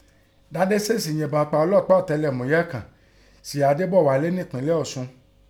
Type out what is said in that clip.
Dádé sèèsì yẹ̀nbọn pa ọlọ́pàá ọ̀tẹlẹ̀múyẹ́ kàn Ṣèyí Adébọ̀wálé nẹ́pinlẹ̀ Ọ̀ṣun.